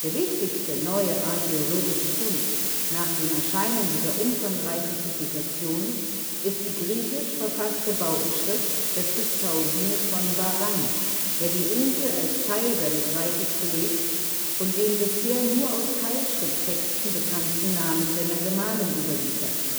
wichtigste neue archäologische Fund nach dem Erscheinen dieser umfangreichen Publikation ist die griechisch verfasste Bauinschrift des Hyspaosines von Bahrain, der die Insel als Teil seines Reiches belegt und den bisher nur aus Keilschrifttexten bekannten Namen seiner Gemahlin überliefert